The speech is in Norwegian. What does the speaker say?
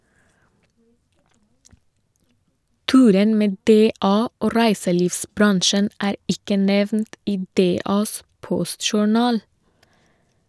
Turen med DA og reiselivsbransjen er ikke nevnt i DAs postjournal.